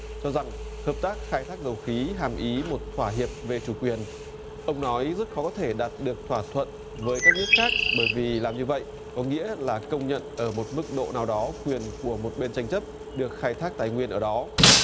cho rằng hợp tác khai thác dầu khí hàm ý một thỏa hiệp về chủ quyền ông nói rất khó có thể đạt được thỏa thuận với các nước khác bởi vì làm như vậy có nghĩa là công nhận ở một mức độ nào đó quyền của một bên tranh chấp được khai thác tài nguyên ở đó